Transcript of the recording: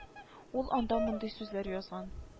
Ул анда мондый сүзләр язган